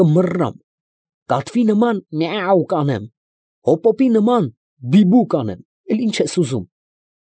Կմռռամ, կատվի նման միա֊ո՜ւ կանեմ, հոպոպի նման բի՛֊բո՜ւ կանեմ, էլ ի՞նչ ես ուզում։